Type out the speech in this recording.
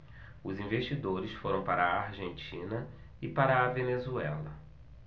os investidores foram para a argentina e para a venezuela